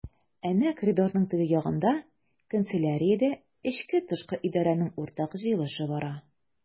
Әнә коридорның теге ягында— канцеляриядә эчке-тышкы идарәнең уртак җыелышы бара.